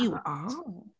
You are.